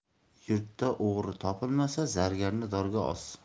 yurtda o'g'ri topilmasa zargarni dorga os